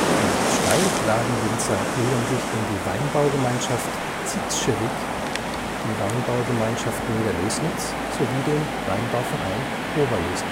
Die Steillagenwinzer gliedern sich in die Weinbau-Gemeinschaft Zitzschewig, die Weinbau-Gemeinschaft Niederlößnitz sowie den Weinbau-Verein Oberlößnitz